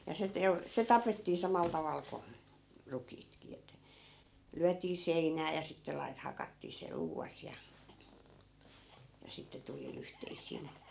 ja se - se tapettiin samalla tavalla kuin rukiitkin että lyötiin seinään ja sitten - hakattiin se luuvassa ja ja sitten tuli lyhteisiin